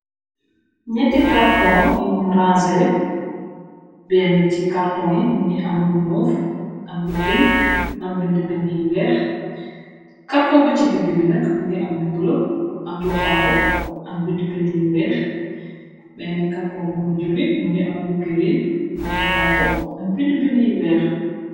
Ñetti karton yi ranseleh benna ci karton yi mu ngi am lu muuf am lu pink am bindi bindi yi wèèx karton ba ci digg bi nak mu ngi am lu bula am lu xonxu am bindi bindi yi wèèx benen karton bu mugibi mu ngi am lu green am lu xonxu am bindi bindi yi wèèx.